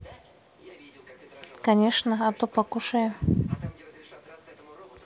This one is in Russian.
конечно а так покушаем